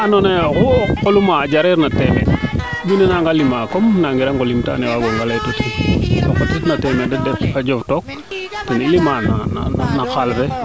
oxa ando naye oxu o qolum a jareer na temeed wiin nanga lima comme nangirango limta `no wagoonga leyta ten ke xotet na temeed a jof took ten i lima no xaal fe